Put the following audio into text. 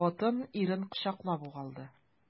Хатын ирен кочаклап ук алды.